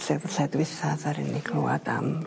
...lle o'dd y lle dwitha ddaru ni clwad am...